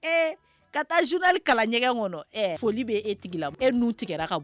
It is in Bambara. E ka taadli kala ɲɛgɛn kɔnɔ foli bɛ e tigi la e n tigɛ ka